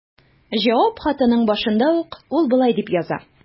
Җавап хатының башында ук ул болай дип яза.